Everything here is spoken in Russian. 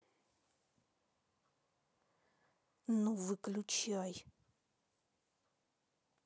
ну выключай